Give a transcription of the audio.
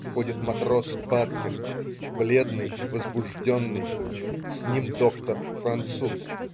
Входит матрос Баткин, бледный, возбужденный, с ним - доктор-француз.